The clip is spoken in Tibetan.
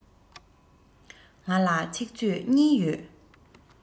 ང ལ ཚིག མཛོད གཉིས ཡོད